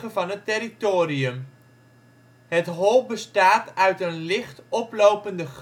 van het territorium. Het hol bestaat uit een licht oplopende